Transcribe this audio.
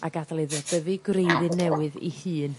a gadal iddo dyfu gwreiddyn newydd 'i hun.